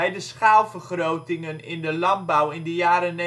de schaalvergrotingen in de landbouw in de jaren